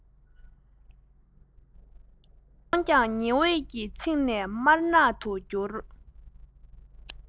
ངོ གདོང ཀྱང ཉི འོད ཀྱིས ཚིག ནས དམར ནག ཏུ གྱུར